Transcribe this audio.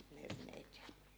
herneitä ja